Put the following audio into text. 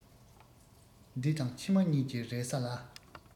འདི དང ཕྱི མ གཉིས ཀྱི རེ ས ལ